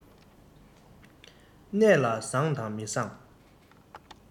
གནས ལ བཟང དང མི བཟང